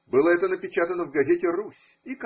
Было это напеча тано в газете Русь и.